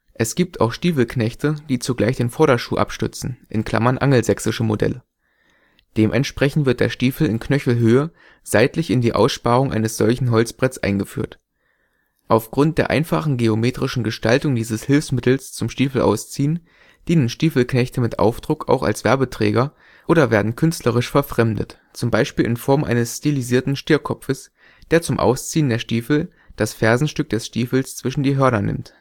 Es gibt auch Stiefelknechte, die zugleich den Vorderschuh abstützen (angelsächsische Modelle). Dementsprechend wird der Stiefel in Knöchelhöhe seitlich in die Aussparung eines solchen Holzbretts eingeführt. Aufgrund der einfachen geometrischen Gestaltung dieses Hilfsmittels zum Stiefelausziehen, dienen Stiefelknechte mit Aufdruck auch als Werbeträger oder werden künstlerisch verfremdet, zum Beispiel in Form eines stilisierten Stierkopfes, der zum Ausziehen der Stiefel das Fersenstück des Stiefels zwischen die " Hörner " nimmt